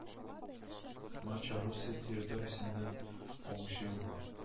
Мача Русия территориясеннән агучы елга